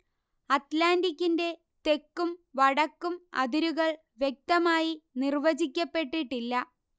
അറ്റ്ലാന്റിക്കിന്റെ തെക്കും വടക്കും അതിരുകൾ വ്യക്തമായി നിർവചിക്കപ്പെട്ടിട്ടില്ല